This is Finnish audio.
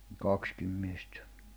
kaksikin miestä